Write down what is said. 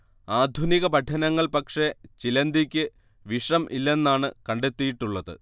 ആധുനിക പഠനങ്ങൾ പക്ഷേ ചിലന്തിക്ക് വിഷം ഇല്ലെന്നാണ് കണ്ടെത്തിയിട്ടുള്ളത്